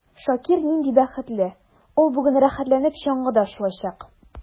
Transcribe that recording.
Шакир нинди бәхетле: ул бүген рәхәтләнеп чаңгыда шуачак.